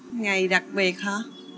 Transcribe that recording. ngày đặc biệt hả